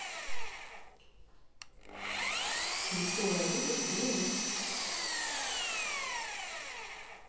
веселая музыка девяностых